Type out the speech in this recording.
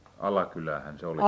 Alakyläähän se oli